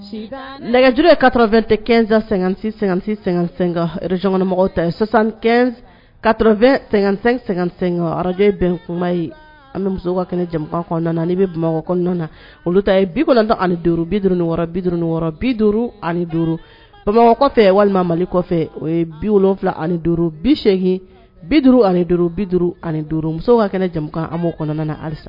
J arajkan bɛ bi duuru bi bi ani bamakɔ kɔfɛ walima mali kɔfɛ o ye bi wolonwula ani duuru bi8gin bi duuru ani duuru bi duuru ani duuru muso jamu ali